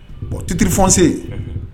Bon titiriri fɔsen